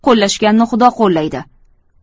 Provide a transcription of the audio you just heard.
qo'llashganni xudo qo'llaydi